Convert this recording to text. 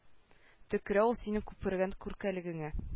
Төкерә ул синең күпергән күркәлегеңә